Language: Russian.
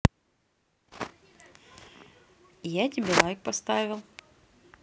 я тебе лайк поставил